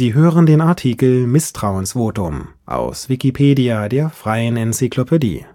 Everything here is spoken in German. hören den Artikel Misstrauensvotum, aus Wikipedia, der freien Enzyklopädie